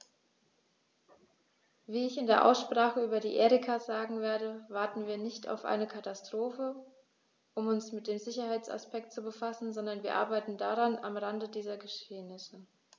Wie ich in der Aussprache über die Erika sagen werde, warten wir nicht auf eine Katastrophe, um uns mit dem Sicherheitsaspekt zu befassen, sondern wir arbeiten daran am Rande dieser Geschehnisse.